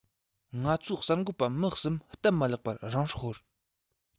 ང ཚོའི གསར འགོད པ མི གསུམ སྟབས མ ལེགས པར རང སྲོག ཤོར